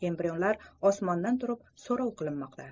embrionlar osmondan turib so'rov qilinmoqda